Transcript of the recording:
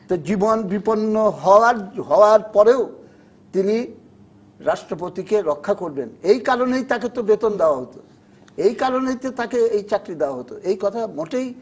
তো জীবন বিপন্ন হওয়ার পরেও তিনি রাষ্ট্রপতি কে রক্ষা করবেন এই কারণেই তাকে তো বেতন দেয়া হতো এই কারণেই তো তাকে এ চাকরি দেয়া হতো এই কথা মোটেই